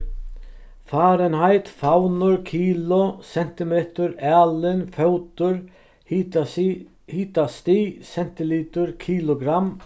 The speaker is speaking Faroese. fahrenheit favnur kilo sentimetur alin fótur hitastig sentilitur kilogramm